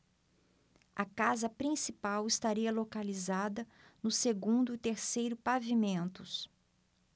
a casa principal estaria localizada no segundo e terceiro pavimentos